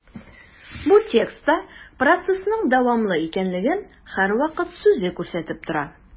Бу текстта процессның дәвамлы икәнлеген «һәрвакыт» сүзе күрсәтеп тора.